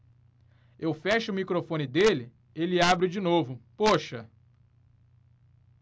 eu fecho o microfone dele ele abre de novo poxa